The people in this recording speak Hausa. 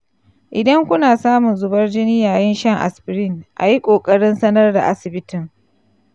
idan kuna samun zubar jini yayin shan aspirin, ayi ƙoƙarin sanar da asibitin.